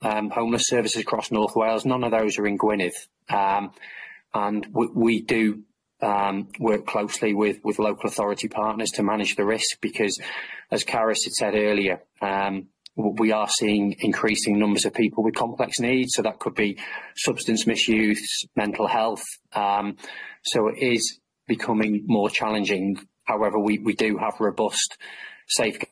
yym homeless services across North Wales none of those are in Gwynedd yym and we we do yym work closely with with local authority partners to manage the risk because as Carys had said earlier yym we are seeing increasing numbers of people with complex needs so that could be substance misuse mental health yym so it is becoming more challenging however we we do have robust safe